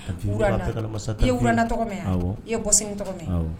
Tanti Rwanda ne kɔni t'a kalama sa Tanti i ye Rwanda tɔgɔ mɛ a awɔ i ye Bosnie tɔgɔ mɛ awɔ